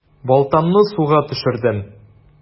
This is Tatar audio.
Балтамны суга төшердем.